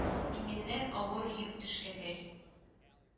Иңеннән авыр йөк төшкәндәй